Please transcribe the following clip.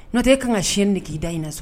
N'o tɛ e kan ka sen de k'i da in na so